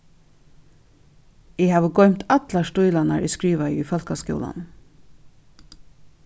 eg havi goymt allar stílarnar eg skrivaði í fólkaskúlanum